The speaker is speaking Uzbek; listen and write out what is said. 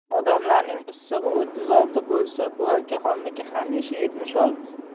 odamlarning issig'i o'ttiz olti bo'lsa bu akaxonniki hamisha yetmish olti